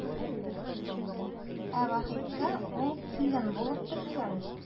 Ә Вахитка ул килен булып төшкән.